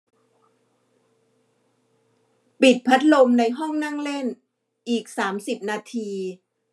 ปิดพัดลมในห้องนั่งเล่นอีกสามสิบนาที